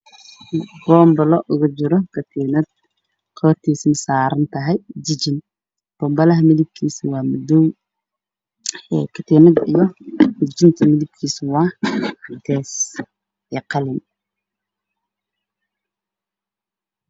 Waxaa ku jira kateen midabkiisa iyo caddaan oo dahabi ah boombal ah waa madow